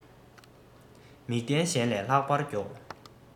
མིག ལྡན གཞན ལས ལྷག པར མགྱོགས